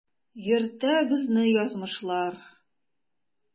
Йөртә безне язмышлар.